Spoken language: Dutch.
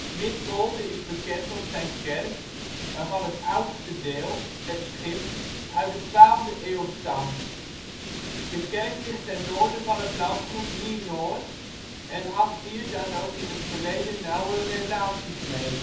Midwolde is bekend om zijn kerk, waarvan het oudste deel (het schip) uit de 12e eeuw stamt. De kerk ligt ten noorden van het landgoed Nienoord en had hier dan ook in het verleden nauwe relaties mee